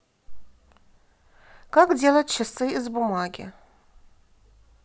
как делать часы из бумаги